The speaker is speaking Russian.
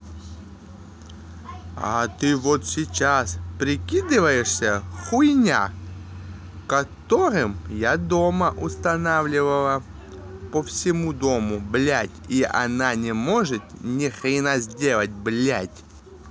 а ты вот сейчас прикидываешь хуйня которым я дома установленная по всему дому блядь и она не может ни хрена сделать блядь